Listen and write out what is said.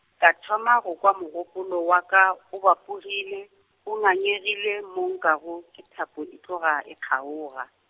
ka thoma go kwa mogopolo wa ka, o bapogile, o ngangegile mo nkwago ke thapo e tloga e kgaoga.